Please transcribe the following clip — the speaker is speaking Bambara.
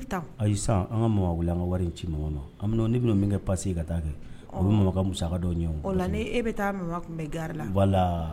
Ayi sisan ,an ka Maman an ka wari in ci. An bɛna, ne bɛna min kɛ passer ye ka taa kɛ, o bɛ Maman ka musaka dɔw ɲɛn, o la e bɛ taa Maman kunbɛ gare la voila